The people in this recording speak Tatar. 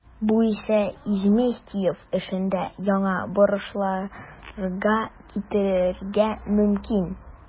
Бу исә Изместьев эшендә яңа борылышларга китерергә мөмкин.